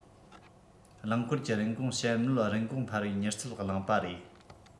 རླངས འཁོར གྱི རིན གོང དཔྱད མོལ རིན གོང འཕར བའི མྱུར ཚད གླེང པ རེད